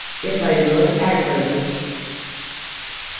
eg fái løn aðruhvørja viku